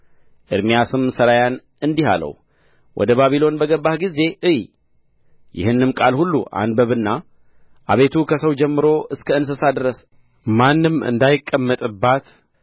ኤርምያስም ሠራያን እንዲህ አለው ወደ ባቢሎን በገባህ ጊዜ እይ ይህንም ቃል ሁሉ አንብብና አቤቱ ከሰው ጀምሮ እስከ እንስሳ ድረስ ማንም እንዳይቀመጥባት